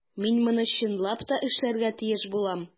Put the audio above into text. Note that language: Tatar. Мин моны чынлап та эшләргә тиеш булам.